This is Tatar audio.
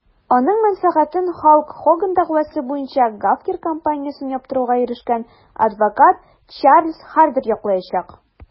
Аның мәнфәгатен Халк Хоган дәгъвасы буенча Gawker компаниясен яптыруга ирешкән адвокат Чарльз Хардер яклаячак.